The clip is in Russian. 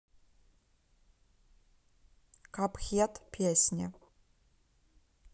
капхед песни